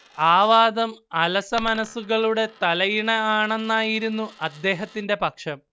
ആ വാദം അലസമനസ്സുകളുടെ തലയിണ ആണെന്നായിരുന്നു അദ്ദേഹത്തിന്റെ പക്ഷം